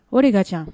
O de ka ca